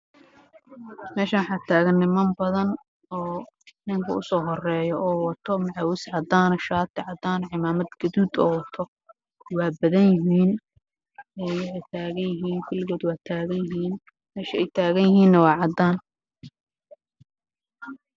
Meeshaan waxaa taagan ninman badan